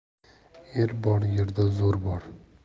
er bor yerda zo'r bor